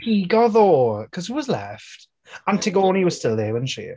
...pigo ddo? 'Cause who was left? Antigone was still there weren't she?